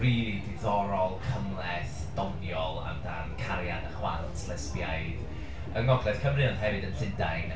Rili diddorol, cymhleth, doniol, amdan cariad a chwant lesbiaidd, yng Ngogledd Cymru ond hefyd yn Llundain.